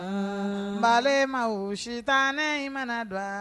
Malo ma sitan ne in mana don